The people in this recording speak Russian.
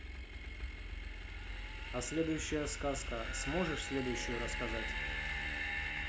а следующая сказка сможешь следующую рассказать